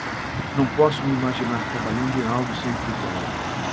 não posso me imaginar trabalhando em algo sempre igual